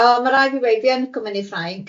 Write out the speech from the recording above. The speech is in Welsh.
O ma raid fi weud fi yn lico mynd i Ffrainc.